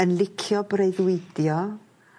yn licio breuddwydio